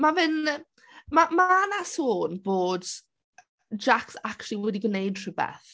Mae fe'n ma' ma' 'na sôn bod Jaques acshyli wedi gwneud rhywbeth.